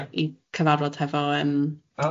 Yy i cyfarfod hefo yym... O reit.